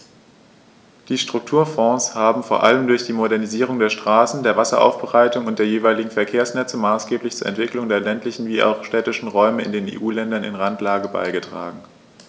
Die Strukturfonds haben vor allem durch die Modernisierung der Straßen, der Wasseraufbereitung und der jeweiligen Verkehrsnetze maßgeblich zur Entwicklung der ländlichen wie auch städtischen Räume in den EU-Ländern in Randlage beigetragen.